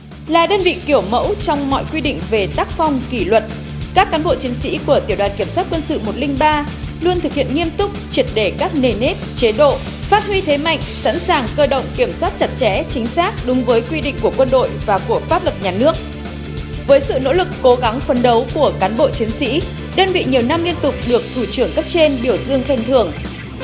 là đơn vị kiểu mẫu trong mọi quy định về tác phong kỷ luật các cán bộ chiến sĩ của tiểu đoàn kiểm soát quân sự một linh ba luôn thực hiện nghiêm túc triệt để các nề nếp chế độ phát huy thế mạnh sẵn sàng cơ động kiểm soát chặt chẽ chính xác đúng với quy định của quân đội và của pháp luật nhà nước với sự nỗ lực cố gắng phấn đấu của cán bộ chiến sĩ đơn vị nhiều năm liên tục được thủ trưởng cấp trên biểu dương khen thưởng